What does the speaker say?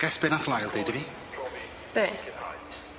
Guess be' nath Lyle deud i fi? Beth?